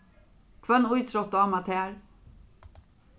hvønn ítrótt dámar tær